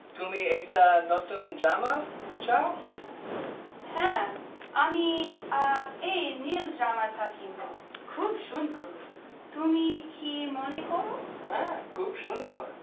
তুমি একটা নতুন জামা চাও হ্যাঁ আমি এই নীল জামা টা কিনবো খুব সুন্দর তুমি কি মনে কর হ্যাঁ খুব সুন্দর